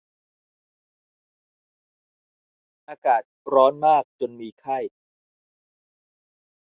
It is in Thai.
อากาศร้อนมากจนมีไข้